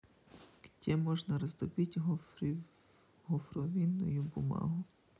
где можно раздобыть гофрированную бумагу